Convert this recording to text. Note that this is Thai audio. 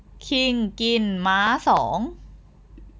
คิงกินม้าสอง